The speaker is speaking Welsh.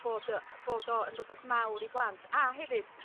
bod o bod o yn r'wbath mawr i blant a hefyd